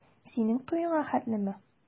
Синең туеңа хәтлеме?